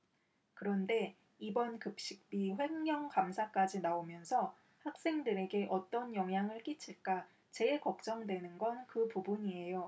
그런데 이번 급식비 횡령 감사까지 나오면서 학생들한테 어떤 영향을 끼칠까 제일 걱정되는 건 그 부분이에요